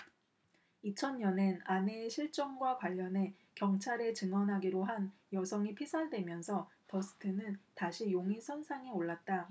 이천 년엔 아내의 실종과 관련해 경찰에 증언하기로 한 여성이 피살되면서 더스트는 다시 용의선상에 올랐다